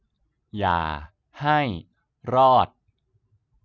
อย่าให้รอด